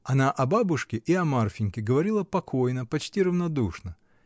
Она о бабушке и о Марфиньке говорила покойно, почти равнодушно.